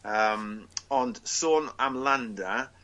Yym ond sôn am Landa